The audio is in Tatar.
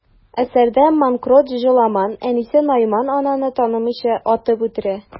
Әсәрдә манкорт Җоламан әнисе Найман ананы танымыйча, атып үтерә.